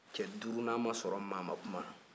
cɛ duurunan ma sɔrɔ maa ma kuma